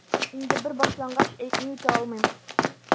Инде бер башлангач, әйтми үтә алмыйм...